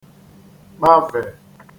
kpavè